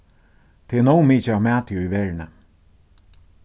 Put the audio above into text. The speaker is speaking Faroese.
tað er nóg mikið av mati í verðini